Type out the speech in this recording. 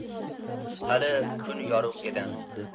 hali kun yorug' edi